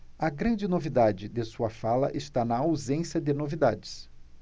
a grande novidade de sua fala está na ausência de novidades